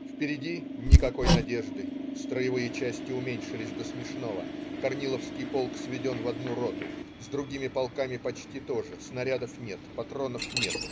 Впереди - никакой надежды: строевые части уменьшились до смешного, Корниловский полк сведен в одну роту с другими полками почти то же снарядов нет, патронов нет